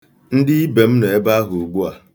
Ndị ibe m nọ ebe ahụ ugbua.